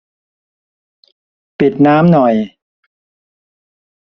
ปิดน้ำหน่อย